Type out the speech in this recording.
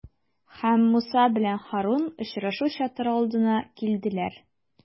Һәм Муса белән Һарун очрашу чатыры алдына килделәр.